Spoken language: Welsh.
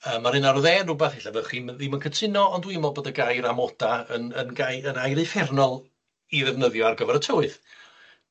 yym ma'r un ar y dde yn rywbath ella fyddwch chi'm ddim yn cytuno, ond dwi'n me'wl bod y gair amoda' yn yn gair yn air uffernol i ddefnyddio ar gyfar y tywydd.